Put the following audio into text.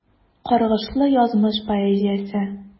Каргышлы язмыш поэзиясе.